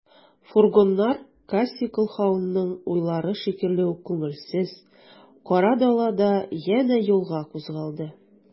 Фургоннар Кассий Колһаунның уйлары шикелле үк күңелсез, кара далада янә юлга кузгалды.